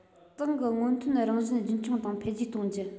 ཏང གི སྔོན ཐོན རང བཞིན རྒྱུན འཁྱོངས དང འཕེལ རྒྱས གཏོང རྒྱུ